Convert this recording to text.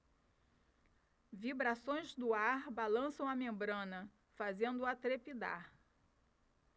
vibrações do ar balançam a membrana fazendo-a trepidar